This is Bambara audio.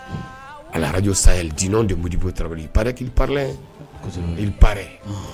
Alahaj sayayi d de mugubo tarawelebali iɛrɛ k' parɛ i parɛ